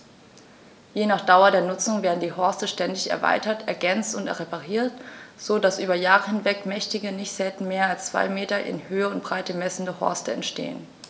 Je nach Dauer der Nutzung werden die Horste ständig erweitert, ergänzt und repariert, so dass über Jahre hinweg mächtige, nicht selten mehr als zwei Meter in Höhe und Breite messende Horste entstehen.